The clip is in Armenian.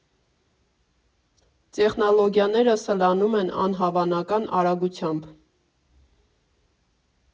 Տեխնոլոգիաները սլանում են անհավանական արագությամբ։